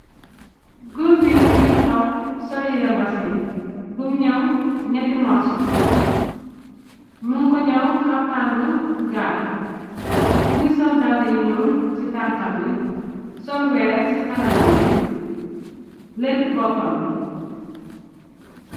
Goor bi mu ngi taxaw sol yirembasin bum ñaw ñetti morso. Mun ko ñaw xaftaan bu gatt. Mu ngi sol dali ñul ci tankam bi. Sol weer ci kanamam bi lett boppam bi.